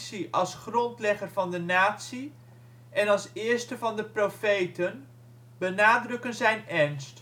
van de natie en als eerste van de profeten, benadrukken zijn ernst